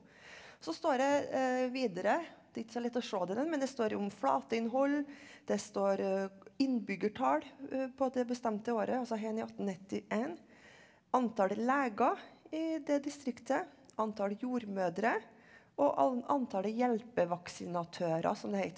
så står det videre det er ikke så lett å se det men det står om flateinnhold det står innbyggertall på det bestemte året altså her i 1891 antall leger i det distriktet, antall jordmødre, og antallet hjelpevaksinatører som det het.